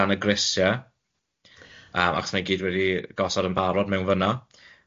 grisie yym 'chos ma fe gyd wedi gosod yn barod mewn fynno